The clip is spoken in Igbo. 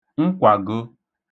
nkwàgo